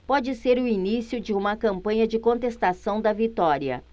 pode ser o início de uma campanha de contestação da vitória